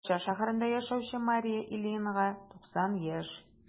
Арча шәһәрендә яшәүче Мария Ильинага 90 яшь.